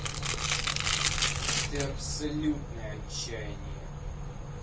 ты абсолютное отчаяние